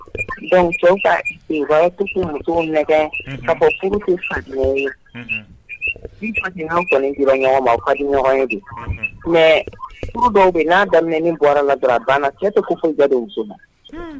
Bɔn ka tu musow nɛgɛgɛn ka bɔ kuru jumɛn ye an kɔni ɲɔgɔn ma ka ni ɲɔgɔn ye bi mais dɔw bɛ n'a daminɛ bɔra ladirabana kɛ to ko foyi ja ma